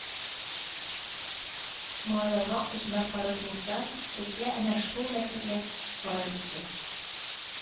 – малайларга кузна фарыз булса, безгә әнә шул ләкъләка фарыз инде